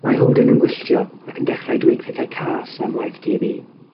Mae Holden yn gwylltio ac yn dechrau dweud pethau cas am waith Di Bi.